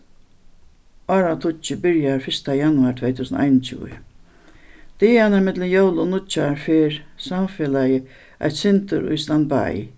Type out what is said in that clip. áratíggju byrjar fyrsta januar tvey túsund og einogtjúgu dagarnar millum jól og nýggjár fer samfelagið eitt sindur í standby